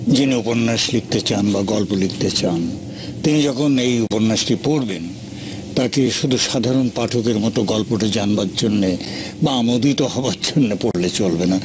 যিনি উপন্যাস লিখতে চান বা গল্প লিখতে চান তিনি যখন এই উপন্যাসটি পড়বেন তাকে শুধু সাধারণ পাঠকের মতো গল্পটা জানবার জন্য বা আমোদিত হবার জন্য পড়লে চলবে না